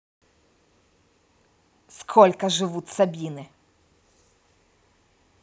сколько живут сабины